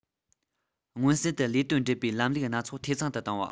མངོན གསལ དུ ལས དོན སྒྲུབ པའི ལམ ལུགས སྣ ཚོགས འཐུས ཚང དུ བཏང བ